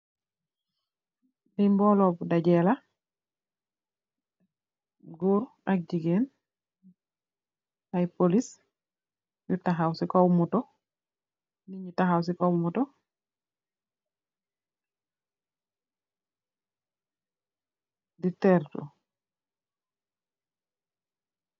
Lii mboolo mu dadjee la, góor ak jigéen ay, poliis, yu taxaw si kow motto, nit ñi taxaw si kow motto, di tertu.